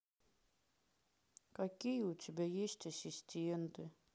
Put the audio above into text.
какие у тебя есть ассистенты